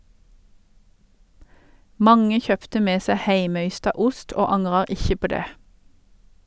Mange kjøpte med seg heimeysta ost, og angrar ikkje på det.